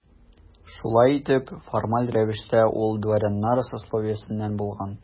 Шулай итеп, формаль рәвештә ул дворяннар сословиесеннән булган.